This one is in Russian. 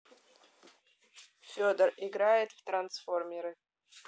федор играет в трансформеры